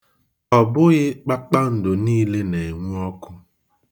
Ọ bụghị kpakpando niile na-enwu ọkụ.